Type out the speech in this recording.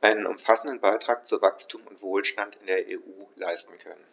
einen umfassenden Beitrag zu Wachstum und Wohlstand in der EU leisten können.